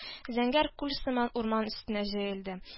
Зәңгәр күл сыман, урман өстенә җәелде